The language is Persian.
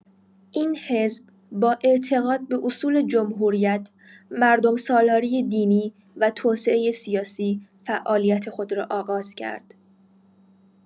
این حزب با اعتقاد به اصول جمهوریت، مردم‌سالاری دینی و توسعه سیاسی فعالیت خود را آغاز کرد.